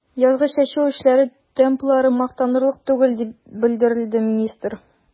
Язгы чәчү эшләре темплары мактанырлык түгел, дип белдерде министр.